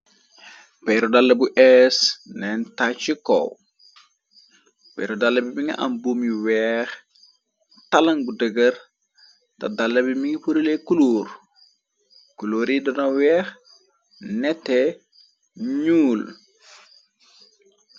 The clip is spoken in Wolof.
Pero dalla bu ees neen tachikow pero dalla bi mi nga am buum yu weex talang bu dëgër té dalla bi minga boryle kuluur kulori danu weex nete ñuul.